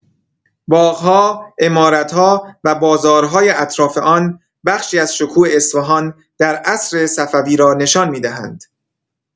باغ‌ها، عمارت‌ها و بازارهای اطراف آن بخشی از شکوه اصفهان در عصر صفوی را نشان می‌دهند.